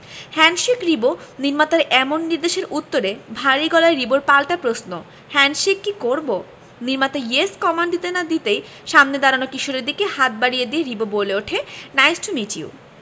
handshake Ribo নির্মাতার এমন নির্দেশের উত্তরে ভারী গলায় রিবোর পাল্টা প্রশ্ন হ্যান্ডশেক কি করবো নির্মাতা ইয়েস কমান্ড দিতে না দিতেই সামনের দাঁড়ানো কিশোরের দিকে হাত বাড়িয়ে দিয়ে রিবো বলে উঠে নাইস টু মিট ইউ